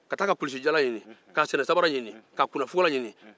k'a t'a ka kulusijala ɲini k'a senna sabara ɲini